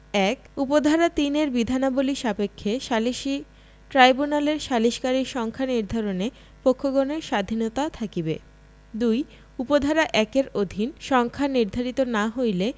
১ উপ ধারা ৩ এর বিধানাবলী সাপেক্ষে সালিসী ট্রাইব্যুনালের সালিসকারীর সংখ্যা নির্ধারণে পক্ষগণের স্বাধীনতা থাকিবে ২ উপ ধারা ১ এর অধীন সংখ্যা নির্ধারিত না হইলে